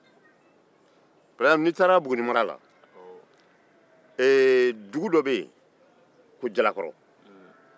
n'i taara bugunimara la dugu do bɛ yen ko jalakɔrɔ